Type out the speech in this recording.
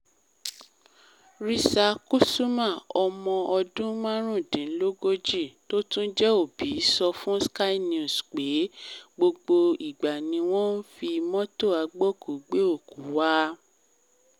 Risa Kusuma, ọmọ ọdún márùn-úndínlógójiị̀ (35) tó tún jẹ́ òbí sọ fun Sky News pé: “Gbogbo ìgbà ni wọ́n n fi mọ́tò-agbókùú gbé òkú wa.